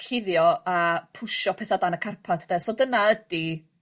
cuddio a pwsio petha 'dan y carpad 'de so dyna ydi